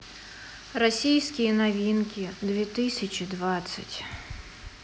российские новинки две тысячи двадцать